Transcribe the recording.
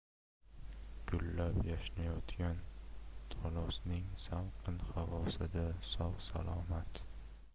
gullab yashnayotgan tolosning salqin havosida sog' salomat